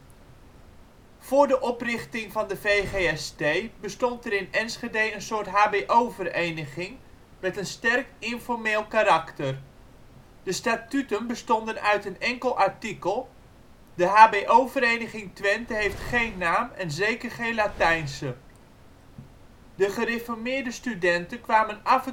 Voor de oprichting van de VGST bestond er in Enschede een soort hbo-vereniging met een sterk informeel karakter. De statuten bestonden uit een enkel artikel “De hbo-vereniging Twente heeft geen naam, en zeker geen Latijnse”. De gereformeerde studenten kwamen af